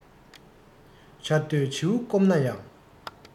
ཆར འདོད བྱེའུ སྐོམ ན ཡང